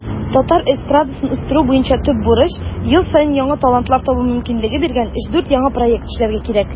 Татар эстрадасын үстерү буенча төп бурыч - ел саен яңа талантлар табу мөмкинлеге биргән 3-4 яңа проект эшләргә кирәк.